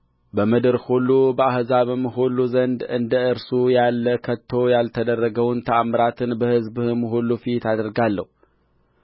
በምድር ሁሉ በአሕዛብም ሁሉ ዘንድ እንደ እርሱ ያለ ከቶ ያልተደረገውን ተአምራት በሕዝብህ ሁሉ ፊት አደርጋለሁ